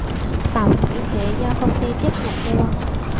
bảo hiểm y tế do công ty tiếp nhận mua